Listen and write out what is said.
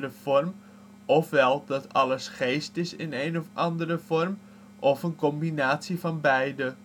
vorm) ofwel dat alles geest is (in een of andere vorm), of een combinatie van beide